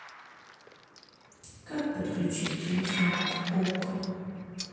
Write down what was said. как подключить телефон к окко